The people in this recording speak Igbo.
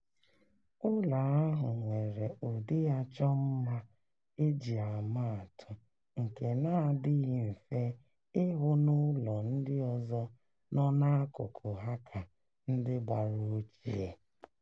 Ụlọ ahụ nwere ụdị achọmma e ji ama atụ nke na-adịghị mfe ịhụ n'ụlọ ndị ọzọ nọ n'akụkụ Dhaka ndị gbara ochie.